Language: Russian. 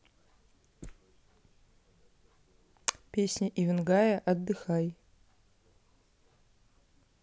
песня ивангая отдыхай